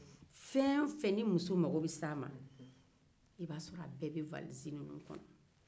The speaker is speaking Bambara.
fɛn o fɛn ni muso mago bɛ se a ma i b'a sɔrɔ a bɛɛ bɛ walizi in kɔnɔ